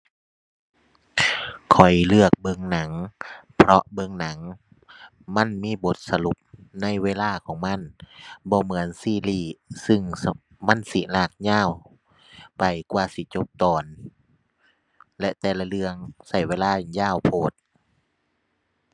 ข้อยเลือกเบิ่งหนัง เพราะเบิ่งหนังมันมีบทสรุปในเวลาของมัน บ่เหมือนซีรีส์ซึ่ง มันสิลากยาวไปกว่าสิจบตอนและแต่ละเรื่องใช้เวลายาวโพด